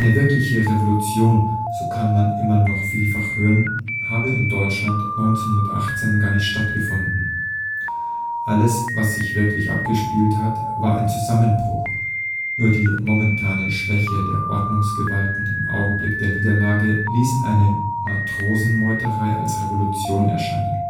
wirkliche Revolution, so kann man immer noch vielfach hören, habe in Deutschland 1918 gar nicht stattgefunden. Alles was sich wirklich abgespielt hat, war ein Zusammenbruch. Nur die momentane Schwäche der Ordnungsgewalten im Augenblick der Niederlage ließ eine Matrosenmeuterei als Revolution erscheinen